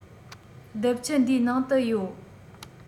རྡིབ ཆུ འདིའི ནང དུ ཡོད